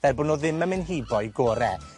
Fel bo' nw ddim yn myn' hibo'u gore.